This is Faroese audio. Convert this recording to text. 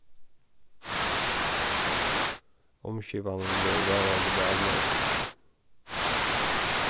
umskipanin verður vónandi væl móttikin